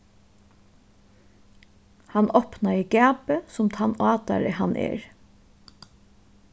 hann opnaði gapið sum tann átari hann er